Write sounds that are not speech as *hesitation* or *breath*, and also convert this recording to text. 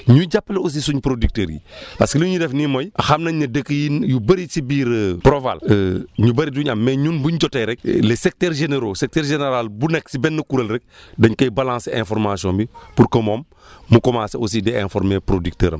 ñuy j)ppale aussi suñ producteurs yi *breath* parce que lu ñuy def nii mooy xam nañ ne dëkk yii yu bëri si biir *hesitation* Proval *hesitation* ñu bëri duñ am mais ñun buñ jotee rek les secteurs généraux secteur général bu nekk si benn kuréel rek *breath* dañ koy balancer information bi pour que moom mu commencé aussi di informer producteur am